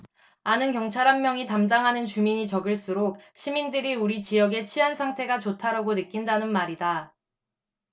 이는 경찰 한 명이 담당하는 주민이 적을수록 시민들이 우리 지역의 치안 상태가 좋다라고 느낀다는 말이다